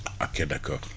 ok d' accord